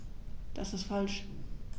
Das ist falsch.